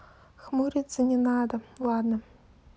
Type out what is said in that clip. хмуриться не надо ладно